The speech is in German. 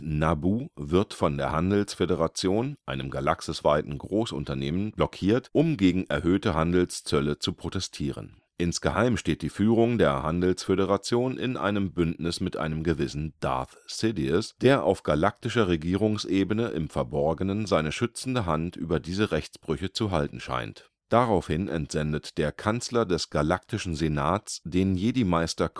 Naboo wird von der Handelsföderation, einem galaxisweiten Großunternehmen, blockiert, um gegen erhöhte Handelszölle zu protestieren. Insgeheim steht die Führung der Handelsföderation in einem Bündnis mit einem gewissen Darth Sidious, der auf galaktischer Regierungsebene im Verborgenen seine schützende Hand über diese Rechtsbrüche zu halten scheint. Daraufhin entsendet der Kanzler des Galaktischen Senats einen Jedi-Meister